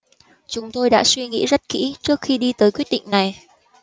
chúng tôi đã suy nghĩ rất kỹ trước khi đi tới quyết định này